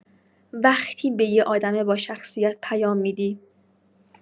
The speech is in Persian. وقتی به یه آدم باشخصیت پیام می‌دی